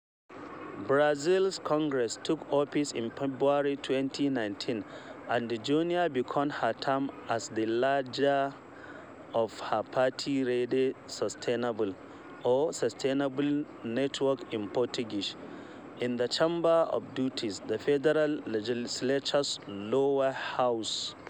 Brazil's Congress took office in February 2019 and Joênia began her term as the leader of her party, Rede Sustentabilidade (or Sustainability Network in Portuguese), in the Chamber of Deputies, the federal legislature's lower house.